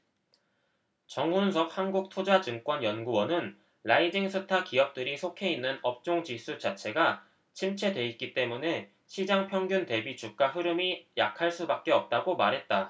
정훈석 한국투자증권 연구원은 라이징 스타 기업들이 속해 있는 업종지수 자체가 침체돼 있기 때문에 시장 평균 대비 주가 흐름이 약할 수밖에 없다고 말했다